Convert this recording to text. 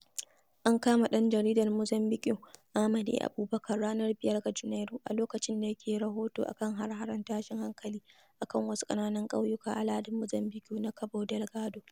An kama ɗan jaridar Mozambiƙue, Amade Abubacar ranar 5 ga Janairu, a lokacin da yake rahoto a kan hare-haren tashin hankali a kan wasu ƙananan ƙauyuka a lardin Mozambiƙue na Cabo Delgado.